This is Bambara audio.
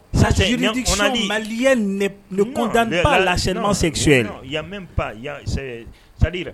Sa ko lase sɛgɛ sali